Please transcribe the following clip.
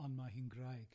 Ond ma' hi'n gwraig.